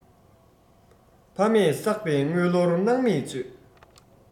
ཕ མས བསགས པའི དངུལ ལོར སྣང མེད སྤྱོད